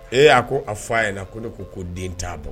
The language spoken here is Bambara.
Ee a ko a fɔ a yena ko ne ko ko den t'a bo